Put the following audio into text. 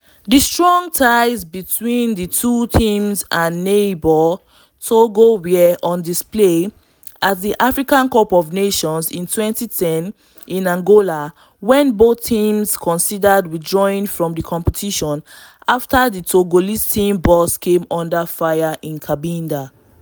The strong ties between the two teams and neighbor Togo were on display at the African Cup of Nations in 2010 in Angola when both teams considered withdrawing from the competition after the Togolese team bus came under fire in Cabinda.